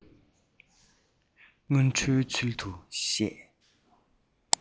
སྔོན འགྲོའི ཚུལ དུ བཤད